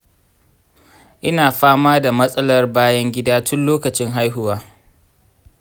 ina fama da matsalar bayan gida tun lokacin haihuwa.